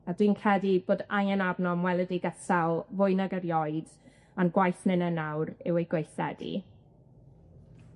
a dwi'n credu bod angen arno am weledigeth Sel fwy nag erioed a'n gwaith ninne nawr yw ei gweithredu.